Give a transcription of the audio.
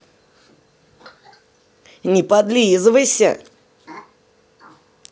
не подлизывайся